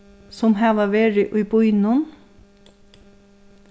sum hava verið í býnum